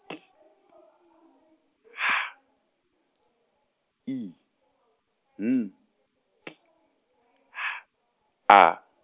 T H I N T H A.